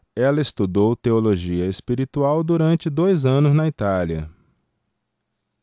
ela estudou teologia espiritual durante dois anos na itália